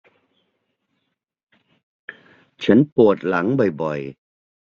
ฉันปวดหลังบ่อยบ่อย